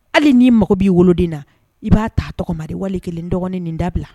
Hali n'i mako b'i woloden na i b'a ta tɔgɔ ma de. Wali i kelen, n dɔgɔnin nin dabila.